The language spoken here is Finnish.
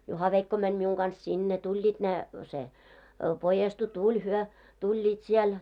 Juha-veikko meni minun kanssa sinne tulivat ne se pojestu tuli he tulivat siellä